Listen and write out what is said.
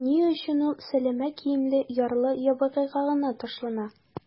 Ни өчен ул сәләмә киемле ярлы-ябагайга гына ташлана?